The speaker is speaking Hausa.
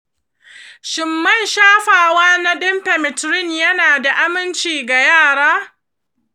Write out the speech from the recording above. shin man shafawa na ɗin permethrin yana da amincin ga yara?